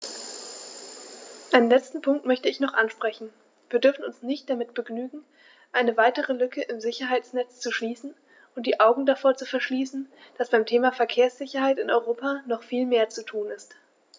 Einen letzten Punkt möchte ich noch ansprechen: Wir dürfen uns nicht damit begnügen, eine weitere Lücke im Sicherheitsnetz zu schließen und die Augen davor zu verschließen, dass beim Thema Verkehrssicherheit in Europa noch viel mehr zu tun ist.